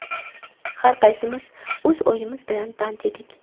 har qaysimiz o'z o'yimiz bilan band edik